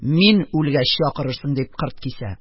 Мин үлгәч чакырырсын! - дип, кырт кисә